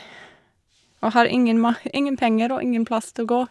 Og har ingen ma ingen penger og ingen plass til å gå.